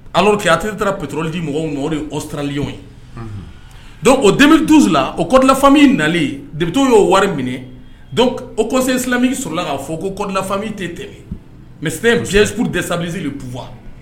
Alors que ATT taara ka taa pétrole di mɔgɔ minnu ma o ye Australens, unhun ye , unhun, donc o 2012 la, o code de la famille nalen, députés y'o wari minɛ, hat conseil. sɔrɔ la k'a fɔ ko code de la famille tɛ tɛmɛ mais c'était un piège pour déstabiliser les pouvoirs